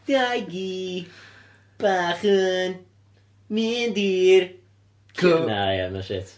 Dau gi bach yn mynd i'r coe-... Na, ia, mae'n shit.